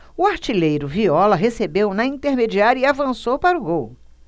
o artilheiro viola recebeu na intermediária e avançou para o gol